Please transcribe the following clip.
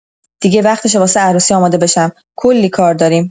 دیگه وقتشه واسه عروسی آماده بشم، کلی کار داریم.